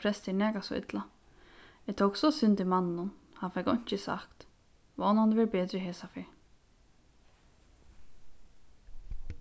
prestur nakað so illa eg tók so synd í manninum hann fekk einki sagt vónandi verður betri hesa ferð